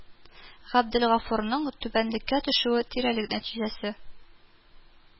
Габделгафурның түбәнлеккә төшүе тирәлек нәтиҗәсе